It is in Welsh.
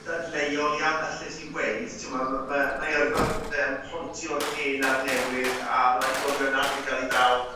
dadleuol iawn alle ti weud t'mo' ma' ma' ma' 'i yrfa fe'n pontio'r hen a'r newydd a ma' rai' ni gofio nath e ga'l 'i ddal